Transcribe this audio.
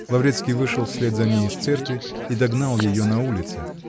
Лаврецкий вышел вслед за ней из церкви и догнал ее на улице